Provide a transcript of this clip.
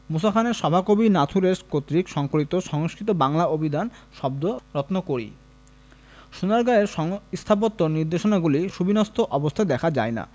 মুসা খানের সভাকবি নাথুরেশ কর্তৃক সংকলিত সংস্কৃত বাংলা অভিধান শব্দ রত্নকরী সোনারগাঁয়ের স্থাপত্য নিদর্শনগুলি সুবিন্যস্ত অবস্থায় দেখা যায় না